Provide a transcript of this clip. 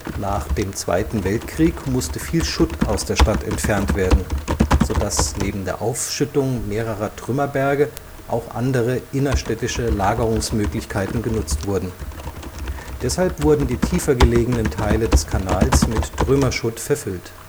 Nach dem Zweiten Weltkrieg musste viel Schutt aus der Stadt entfernt werden, sodass neben der Aufschüttung mehrerer Trümmerberge auch andere innerstädtische Lagerungsmöglichkeiten genutzt wurden. Deshalb wurden die tiefer gelegenen Teile des Kanals mit Trümmerschutt verfüllt